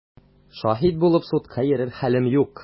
Шаһит булып судка йөрер хәлем юк!